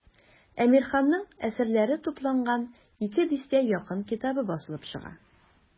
Әмирханның әсәрләре тупланган ике дистәгә якын китабы басылып чыга.